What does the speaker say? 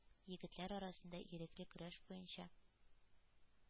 Егетләр арасында ирекле көрәш буенча